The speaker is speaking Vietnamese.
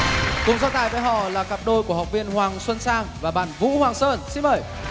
cùng so tài với họ là cặp đôi của học viên hoàng xuân sang và bạn vũ hoàng sơn xin mời